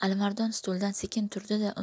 alimardon stuldan sekin turdi da